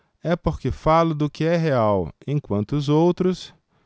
é porque falo do que é real enquanto os outros